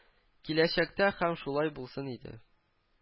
Киләчәктә һәм шулай булсын иде